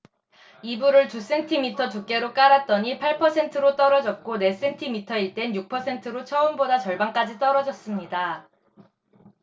이불을 두 센티미터 두께로 깔았더니 팔 퍼센트로 떨어졌고 네 센티미터일 땐 육 퍼센트로 처음보다 절반까지 떨어졌습니다